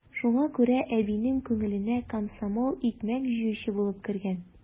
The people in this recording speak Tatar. Шуңа күрә әбинең күңеленә комсомол икмәк җыючы булып кергән.